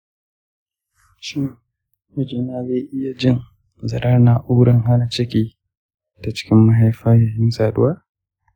shin mijina zai iya jin zaren na’urar hana ciki ta cikin mahaifa yayin saduwa?